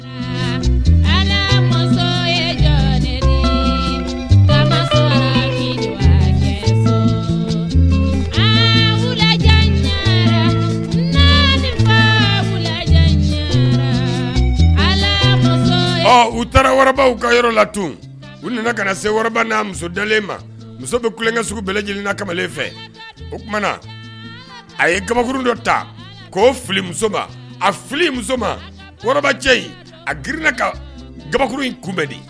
U taaraw ka yɔrɔ la tun u nana ka na se n'a muso deli ma muso bɛ kukɛ sugu bɛ lajɛlenna kamalen fɛ o tumaumana a ye kabamuru dɔ ta k'o filimusoba a fili muso ma cɛ in a girinina kan kabakuru in kunbɛn de